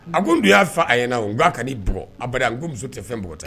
A ko n y'a fa a ɲɛna n'a ka dugawu a n ko muso tɛ fɛn mɔgɔ tɛ